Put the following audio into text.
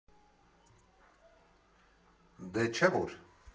֊ Դե չէ՞ որ…